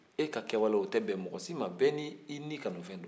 e ka kɛwale o tɛ bɛn mɔgɔ si ma bɛɛ n'i nin kanufɛn don